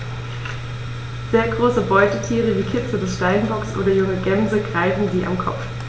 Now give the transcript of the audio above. Sehr große Beutetiere wie Kitze des Steinbocks oder junge Gämsen greifen sie am Kopf.